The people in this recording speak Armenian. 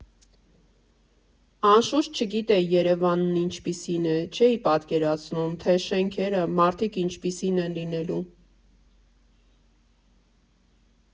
Անշուշտ, չգիտեի Երևանն ինչպիսինն է, չէի պատկերացնում, թե շենքերը, մարդիկ ինչպիսին են լինելու։